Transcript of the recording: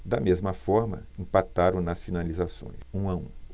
da mesma forma empataram nas finalizações um a um